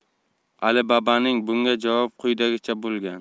alibaba'ning bunga javobi quyidagicha bo'lgan